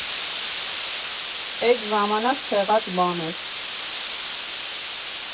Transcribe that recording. Էտ ժամանակ չեղած բան էր։